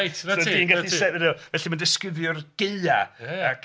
Reit 'na ti... So ti'n gallu sefyll Felly mae'n disgrifio'r gaeaf... Ie, ie.